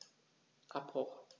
Abbruch.